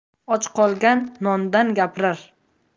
och qolgan nondan gapirar